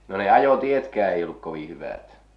no ne ajotietkään ei ollut kovin hyvät